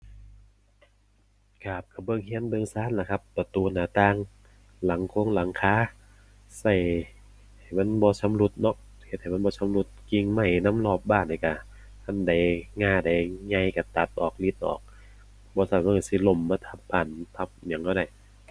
ครับ ก็เบิ่งก็เบิ่งก็ละครับ ประตู หน้าต่าง หลังคงหลังคา ก็ให้มันบ่ชำรุดเนาะ เฮ็ดให้มันบ่ชำรุด กิ่งไม้นำรอบบ้านนี้ก็ อันใด ง่าใดใหญ่ก็ตัดออก หวิดออก บ่ซั้นมันก็สิล้มมาทับบ้าน ทับหยังก็ได้